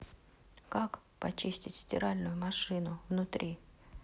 как почистить стиральную машину внутри